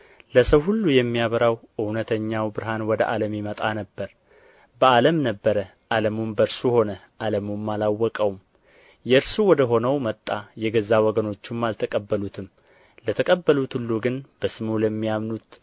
ለሰው ሁሉ የሚያበራው እውነተኛው ብርሃን ወደ ዓለም ይመጣ ነበር በዓለም ነበረ ዓለሙም በእርሱ ሆነ ዓለሙም አላወቀውም የእርሱ ወደ ሆነው መጣ የገዛ ወገኖቹም አልተቀበሉትም ለተቀበሉት ሁሉ ግን በስሙ ለሚያምኑት